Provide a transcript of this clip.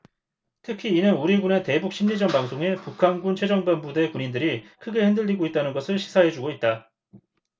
특히 이는 우리 군의 대북 심리전방송에 북한군 최전방부대 군인들이 크게 흔들리고 있다는 것을 시사해주고 있다